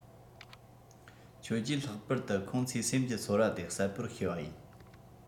ཁྱོད ཀྱིས ལྷག པ དུ ཁོང ཚོས སེམས ཀྱི ཚོར བ དེ གསལ པོར ཤེས པ ཡིན